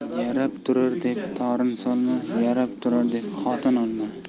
yarab turar deb torn solma yarab turar deb xotin olma